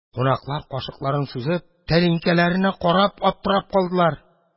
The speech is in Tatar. Кунаклар кашыкларын сузып, тәлинкәләренә карап аптырап калдылар.